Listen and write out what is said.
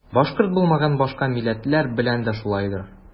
Башкорт булмаган башка милләтләр белән дә шулайдыр.